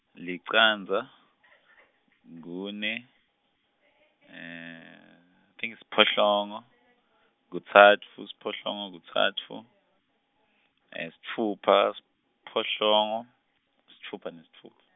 licandza , kune , i think siphohlongo, kutsatfu, siphohlongo kutsatfu, sitfupha, siphohlongo, sitfupha nesitfupha.